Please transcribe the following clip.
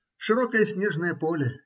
Широкое снежное поле.